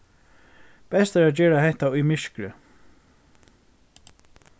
best er at gera hetta í myrkri